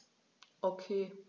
Okay.